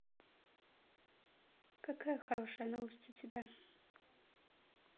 какая хорошая новость у тебя